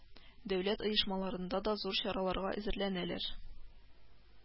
Дәүләт оешмаларында да зур чараларга әзерләнәләр